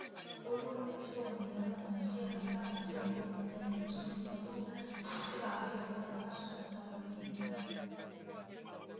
올보르 구치소 관계자는 정 씨의 아기가 정 씨를 보러 면회를 올 수는 있어도 정 씨가 아기를 보러 나갈 수는 없다고 부인했다